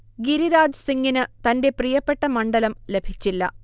ഗിരിരാജ് സിംഗിന് തൻറെ പ്രിയപ്പെട്ട മണ്ഡലം ലഭിച്ചില്ല